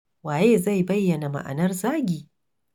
Waye zai bayyana ma'anar zagi?